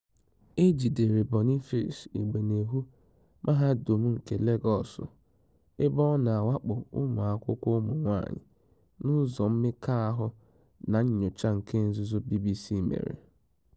E jidere Boniface Igbeneghu, Mahadum nke Legọọsụ, ebe ọ na-awakpo ụmụakwụkwọ ụmụ nwaanyị n'ụzọ mmekọahụ na nnyocha kenzụzọ BBC mere.